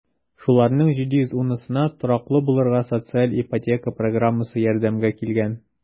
Шуларның 710-сына тораклы булырга социаль ипотека программасы ярдәмгә килгән.